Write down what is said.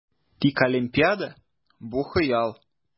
Тик Олимпиада - бу хыял!